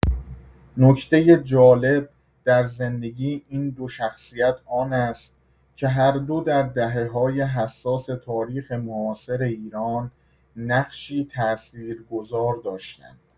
نکته جالب در زندگی این دو شخصیت آن است که هر دو در دهه‌های حساس تاریخ معاصر ایران نقشی تأثیرگذار داشتند.